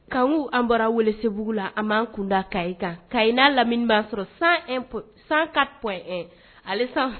Kan an bɔra wele se la a man kunda ka kan ka n'a lamini b'a sɔrɔ san san ka p ali san